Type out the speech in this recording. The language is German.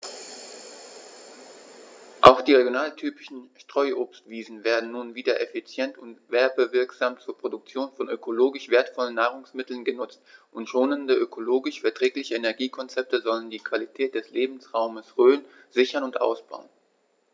Auch die regionaltypischen Streuobstwiesen werden nun wieder effizient und werbewirksam zur Produktion von ökologisch wertvollen Nahrungsmitteln genutzt, und schonende, ökologisch verträgliche Energiekonzepte sollen die Qualität des Lebensraumes Rhön sichern und ausbauen.